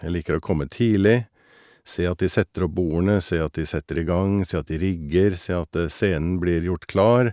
Jeg liker å komme tidlig, se at de setter opp bordene, se at de setter i gang, se at de rigger, se at scenen blir gjort klar.